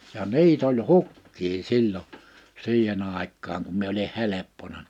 ja niitä oli hukkia silloin siihen aikaan kun minä olin helppona